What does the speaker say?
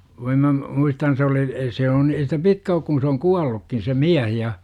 voi minä - muistan se oli ei se ole niin ei sitä pitkä ole kun se on kuollutkin se mies ja